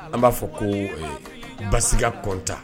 An b'a fɔ ko baka kɔntan